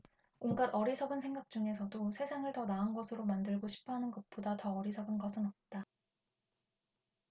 온갖 어리석은 생각 중에서도 세상을 더 나은 곳으로 만들고 싶어 하는 것보다 더 어리석은 것은 없다